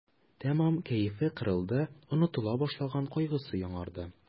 Тәмам кәефе кырылды, онытыла башлаган кайгысы яңарды.